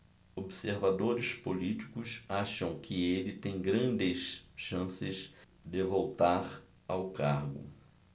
observadores políticos acham que ele tem grandes chances de voltar ao cargo